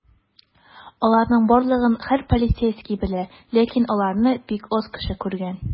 Аларның барлыгын һәр полицейский белә, ләкин аларны бик аз кешеләр күргән.